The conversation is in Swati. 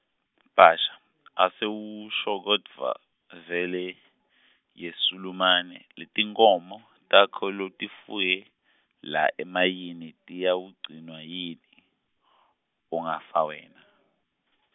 Bhasha, Asewusho kodvwa, vele , yeSulumane, letinkhomo, takho lotifuye, la emayini, tiyawugcinwa yini, ungafa wena ?